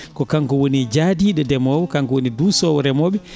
ko kanko woni jaadiiɗo demowo kanko woni duusoowo remooɓe